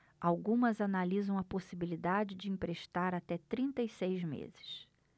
algumas analisam a possibilidade de emprestar até trinta e seis meses